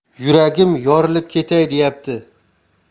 yuragim yorilib ketay deyapti